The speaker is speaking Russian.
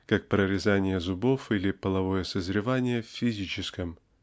как прорезание зубов или половое созревание в физическом.